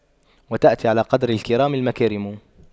وتأتي على قدر الكرام المكارم